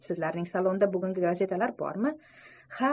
sizlarning salonda bugungi gazetalar bormi